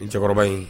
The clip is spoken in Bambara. Cɛkɔrɔba in